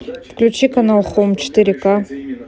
включи канал хоум четыре к